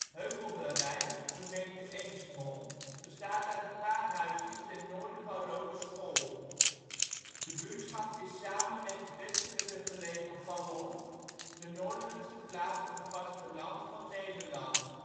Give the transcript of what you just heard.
Heuvelderij (gemeente Eemsmond) bestaat uit een paar huisjes ten noorden van Roodeschool. De buurtschap is samen met het westelijker gelegen Valom de noordelijkste plaats op het vasteland van Nederland